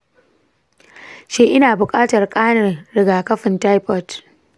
shin ina buƙatar ƙarin riga kafin taifoid